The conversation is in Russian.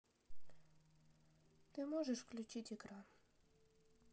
ты сможешь выключить экран